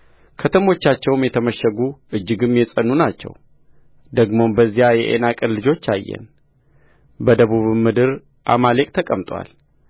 ከተሞቻቸውም የተመሸጉ እጅግም የጸኑ ናቸው ደግሞም በዚያ የዔናቅን ልጆች አየንበደቡብም ምድር አማሌቅ ተቀምጦአል